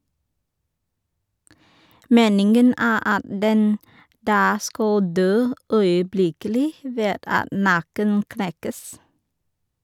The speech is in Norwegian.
Meningen er at den da skal dø øyeblikkelig ved at nakken knekkes.